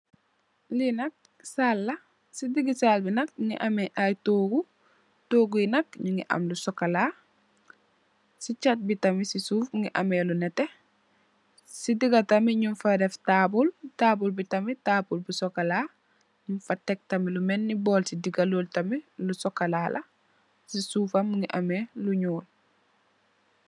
Lee nak sall la se dege sall be nak muge ameh aye toogu toogu yee nak nuge am lu sukola se chate be tamin se suuf muge ameh lu neteh se dega tamin nugfa def taabul taabul be tamin taabul bu sukola nugfa tek tamin lu melne bool se dega lol tamin lu sukola la se suufam muge ameh lu nuul.